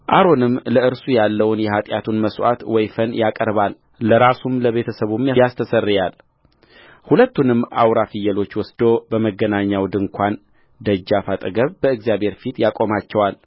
አሮንም ለእርሱ ያለውን የኃጢአቱን መሥዋዕት ወይፈን ያቀርባል ለራሱም ለቤተ ሰቡም ያስተሰርያልሁለቱንም አውራ ፍየሎች ወስዶ በመገናኛው ድንኳን ደጃፍ አጠገብ በእግዚአብሔር ፊት ያቆማቸዋል